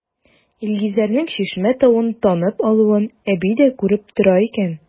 Илгизәрнең Чишмә тавын танып алуын әби дә күреп тора икән.